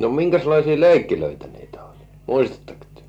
no minkäslaisia leikkejä niitä oli muistatteko te